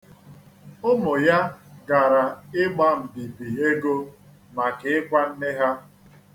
Ụmụ ya gara ịgba mbibi ego maka ịkwa nne ha.